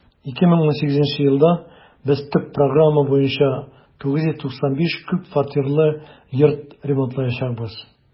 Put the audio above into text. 2018 елда без төп программа буенча 995 күп фатирлы йорт ремонтлаячакбыз.